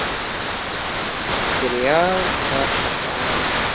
сериал саша таня